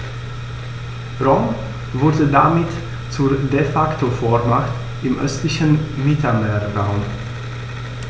Rom wurde damit zur ‚De-Facto-Vormacht‘ im östlichen Mittelmeerraum.